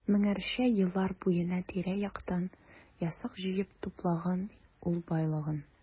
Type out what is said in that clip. Меңнәрчә еллар буена тирә-яктан ясак җыеп туплаган ул байлыгын.